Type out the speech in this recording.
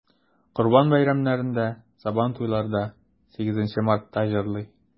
Корбан бәйрәмнәрендә, Сабантуйларда, 8 Мартта җырлый.